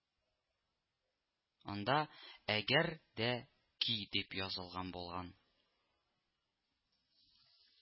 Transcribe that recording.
Анда Әгәр Дә Ки дип язылган булган